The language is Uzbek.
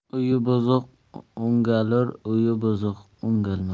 uyi buzuq o'ngalur o'yi buzuq o'ngalmas